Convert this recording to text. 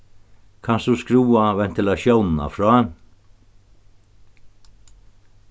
kanst tú skrúva ventilatiónina frá